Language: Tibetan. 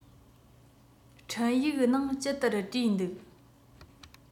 འཕྲིན ཡིག ནང ཅི ལྟར བྲིས འདུག